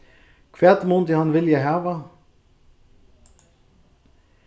hvat mundi hann vilja hava